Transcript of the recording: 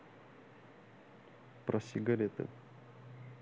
про сигареты